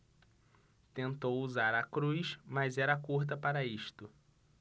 tentou usar a cruz mas era curta para isto